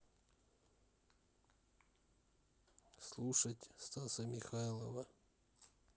слушать стаса михайлова